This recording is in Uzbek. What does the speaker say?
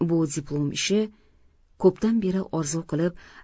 bu dipiom ishi ko'pdan beri orzu qilib